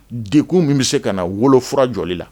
De min bɛ se ka na wolof jɔ la